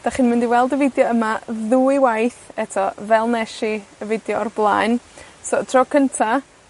'Dach chi'n mynd i weld y fideo yma ddwy waith, eto, fel wnesh i y fideo o'r blaen. So tro cynta,